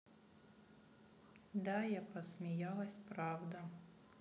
да я посмеялась правда